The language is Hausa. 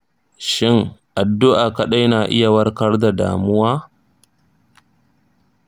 shin addu'a kaɗai na iya warkar da damuwa?